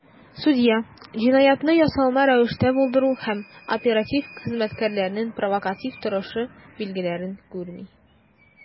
Судья "җинаятьне ясалма рәвештә булдыру" һәм "оператив хезмәткәрләрнең провокатив торышы" билгеләрен күрми.